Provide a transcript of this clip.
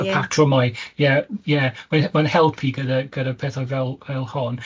y patrwmau, ie, ie, 'wydd mae'n helpu gyda gyda pethau fel fel hon.